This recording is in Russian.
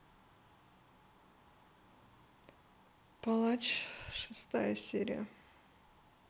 палач шестая серия